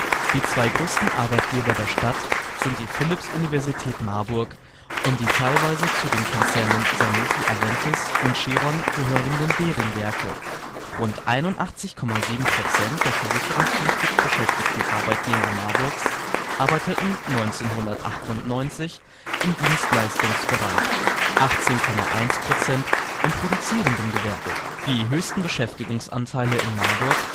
zwei größten Arbeitgeber der Stadt sind die Philipps-Universität Marburg und die teilweise zu den Konzernen Sanofi-Aventis und Chiron gehörenden Behring-Werke (Pharma - und Medizintechnikbranche). Rund 81,7% der versicherungspflichtig beschäftigten Arbeitnehmer Marburgs arbeiteten 1998 im Dienstleistungsbereich, 18,1% im produzierenden Gewerbe. Die höchsten Beschäftigungsanteile in Marburg